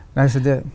nei så det.